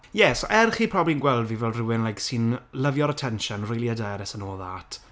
ie, so er chi probably yn gweld fi fel rywun, like, sy'n lyfio'r attention, rili hyderus and all that,